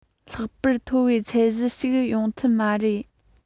ལྷག པར མཐོ བའི ཚད གཞི ཞིག ཡོང ཐུབ མ རེད